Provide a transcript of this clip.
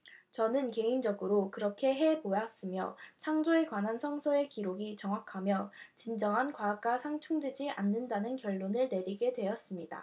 저는 개인적으로 그렇게 해 보았으며 창조에 관한 성서의 기록이 정확하며 진정한 과학과 상충되지 않는다는 결론을 내리게 되었습니다